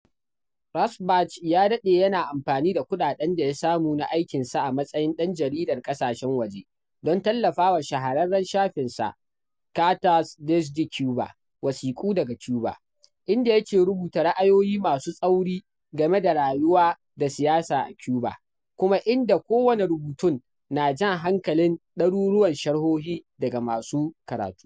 Ravsberg ya daɗe yana amfani da kuɗaɗen da ya samu daga aikinsa a matsayin ɗan jaridar ƙasashen waje don tallafawa shahararren shafinsa “Cartas desde Cuba” (Wasiƙu daga Cuba), inda yake rubuta ra'ayoyi masu tsauri game da rayuwa da siyasa a Cuba, kuma inda kowane rubutun na jan hankalin ɗaruruwan sharhohi daga masu karatu.